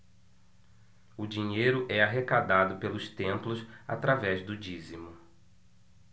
o dinheiro é arrecadado pelos templos através do dízimo